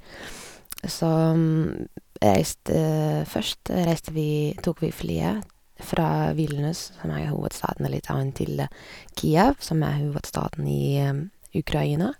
Så reiste først reiste vi tok vi flyet fra Vilnius, som er hovedstaden i Litauen, til Kiev, som er hovedstaden i Ukraina.